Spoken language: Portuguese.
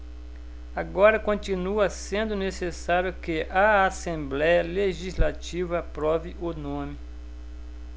agora continua sendo necessário que a assembléia legislativa aprove o nome